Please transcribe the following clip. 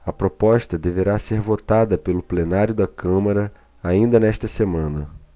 a proposta deverá ser votada pelo plenário da câmara ainda nesta semana